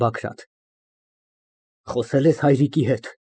ԲԱԳՐԱՏ ֊ Խոսե՞լ ես հայրիկի հետ։